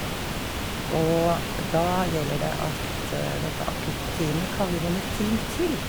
Og da gjelder det at dette akutt-teamet kaller inn et team til.